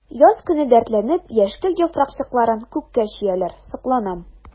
Яз көне дәртләнеп яшькелт яфракчыкларын күккә чөяләр— сокланам.